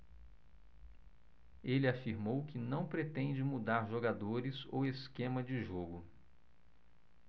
ele afirmou que não pretende mudar jogadores ou esquema de jogo